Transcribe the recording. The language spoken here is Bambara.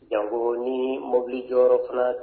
Jango nii mobili jɔyɔrɔ